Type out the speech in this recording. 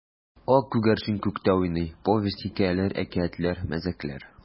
Ак күгәрчен күктә уйный: повесть, хикәяләр, әкиятләр, мәзәкләр.